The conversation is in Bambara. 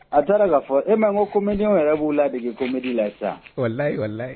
A taara k'a fɔ e m'a ye ŋo comédien w yɛrɛ b'u ladege comédie la sisan walahi walahi